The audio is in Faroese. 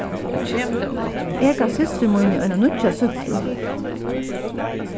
eg gav systur míni eina nýggja súkklu